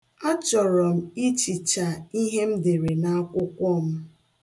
A chọrọ ichicha ihe m dere n'akwụkwọ m.